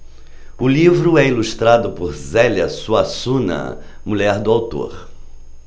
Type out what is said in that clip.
o livro é ilustrado por zélia suassuna mulher do autor